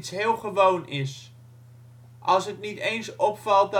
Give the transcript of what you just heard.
heel gewoon is. Als het niet eens opvalt